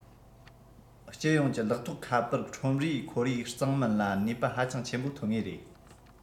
སྤྱི ཡོངས ཀྱི ལག ཐོགས ཁ པར ཁྲོམ རའི ཁོར ཡུག གཙང མིན ལ ནུས པ ཧ ཅང ཆེན པོ ཐོན ངེས རེད